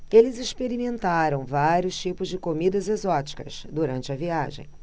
eles experimentaram vários tipos de comidas exóticas durante a viagem